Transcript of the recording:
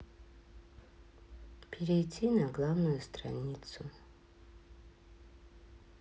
перейти на главную страницу